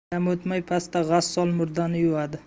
dam o'tmay pastda g'assol murdani yuvadi